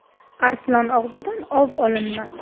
arslon og'zidan ov olinmas